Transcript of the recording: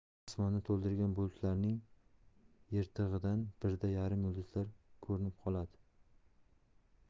osmonni to'ldirgan bulutlarning yirtig'idan birda yarim yulduzlar ko'rinib qoladi